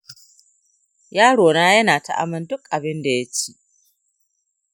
yarona yana ta aman duk abin da ya ci.